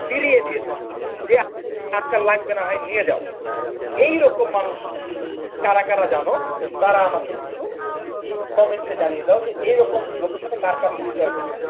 ফিরিয়ে দিয়েছেন যে থাক আর লাগবেনা ভাই নিয়ে যাও এই রকম মানুষ কারা কারা যেন তারা আমাকে একটু কমেন্টে জানিয়ে দাও যে এরকম লোকের সাথে কার কার পরিচয় রয়েছে